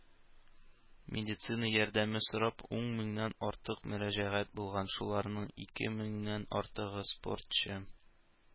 Медицина ярдәме сорап ун меңнән артык мөрәҗәгать булган, шуларның ике меңнән артыгы - спортчы.